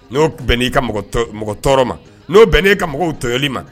No bɛn ni ka mɔgɔ tɔɔrɔ ma . No bɛn ne ka mɔgɔ tɔɲɔ ma